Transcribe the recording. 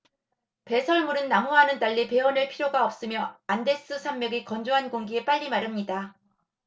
배설물은 나무와는 달리 베어 낼 필요가 없으며 안데스 산맥의 건조한 공기에 빨리 마릅니다